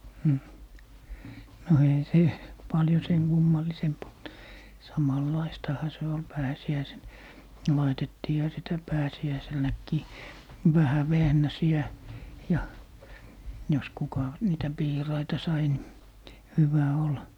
mm no eihän se paljon sen kummallisempi ollut samanlaistahan se oli pääsiäisenä laitettiinhan sitä pääsiäisenäkin vähän vehnäsiä ja jos kuka niitä piiraita sai niin hyvä oli